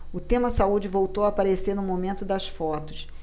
o tema saúde voltou a aparecer no momento das fotos